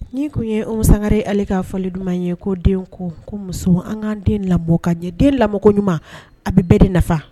Nin tun ye Umu Sangare ale kaa fɔli duman ye ko den ko ko musow an k'an den lamɔ ka ɲɛ den lamɔ ko ɲuman a bɛ bɛɛ de nafa